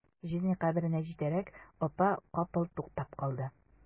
Җизни каберенә җитәрәк, апа капыл туктап калды.